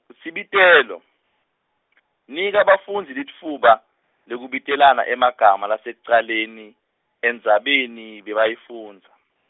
ku Sibitelo , nika bafundzi litfuba, lekubitelana emagama lasekucaleni, endzabeni, bebayifundza.